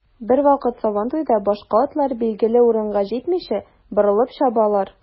Бервакыт сабантуйда башка атлар билгеле урынга җитмичә, борылып чабалар.